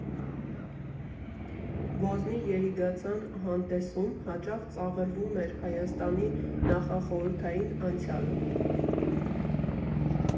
«Ոզնի» երիգածան հանդեսում հաճախ ծաղրվում էր Հայաստանի նախախորհրդային անցյալը։